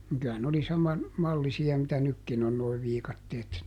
niin kyllä ne oli saman mallisia mitä nytkin on nuo viikatteet -